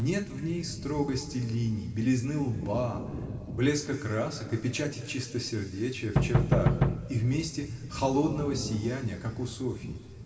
Нет в ней строгости линий, белизны лба, блеска красок и печати чистосердечия в чертах и вместе холодного сияния, как у Софьи.